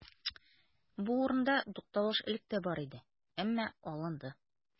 Бу урында тукталыш элек тә бар иде, әмма алынды.